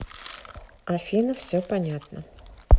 афина все понятно